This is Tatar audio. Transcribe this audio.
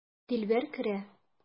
Дилбәр керә.